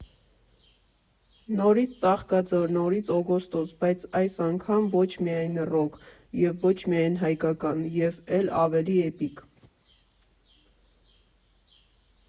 Նորից Ծաղկաձոր, նորից օգոստոս, բայց այս անգամ ոչ միայն ռոք (և ոչ միայն հայկական) և էլ ավելի էպիկ։